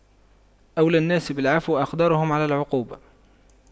أولى الناس بالعفو أقدرهم على العقوبة